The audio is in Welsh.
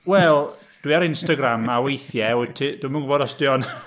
Wel, dwi ar Instagram a weithiau wyt ti... dwi'm yn gwybod os 'di o'n...